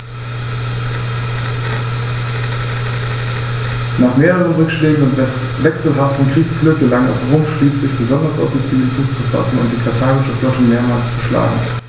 Nach mehreren Rückschlägen und wechselhaftem Kriegsglück gelang es Rom schließlich, besonders auf Sizilien Fuß zu fassen und die karthagische Flotte mehrmals zu schlagen.